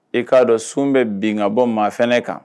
E k'a dɔn sun bɛ bin ka bɔ maa fana kan